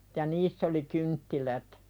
ja niissä oli kynttilät